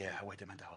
Ie a wedyn mae'n dawel.